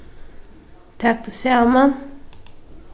tak teg saman